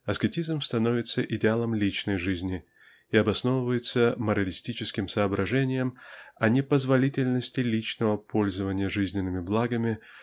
аскетизм становится идеалом личной жизни и обосновывается моралистическим соображением о непозволительности личного пользования жизненными благами